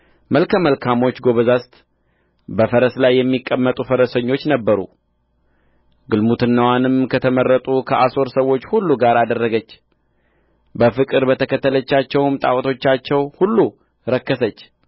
መልከ መልካሞች ጐበዛዝት በፈረስ ላይ የሚቀመጡ ፈረሰኞች ነበሩ ግልሙትናዋንም ከተመረጡ ከአሦር ሰዎች ሁሉ ጋር አደረገች በፍቅር በተከተለቻቸውም ጣዖቶቻቸው ሁሉ ረከሰች